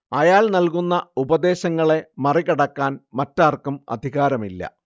അയാൾ നൽകുന്ന ഉപദേശങ്ങളെ മറികടക്കാൻ മറ്റാർക്കും അധികാരമില്ല